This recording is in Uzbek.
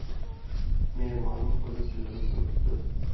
me'morning qo'li sezilib turibdi